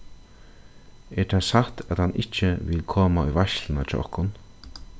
er tað satt at hann ikki vil koma í veitsluna hjá okkum